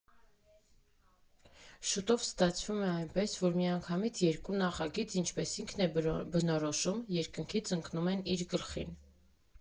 Շուտով ստացվում է այնպես, որ միանգամից երկու նախագիծ, ինչպես ինքն է բնորոշում, երկնքից ընկնում են իր գլխին։